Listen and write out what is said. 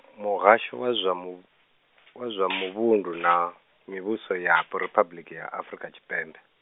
Muhasho wa zwa mu-, wa zwa Muvhundu na Mivhusoyapo Riphabuḽiki ya Afurika Tshipembe.